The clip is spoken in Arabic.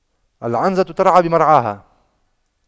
العنزة ترعى بمرعاها